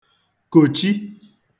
kòchi